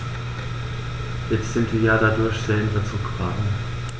Jetzt sind wir dadurch sehr in Verzug geraten.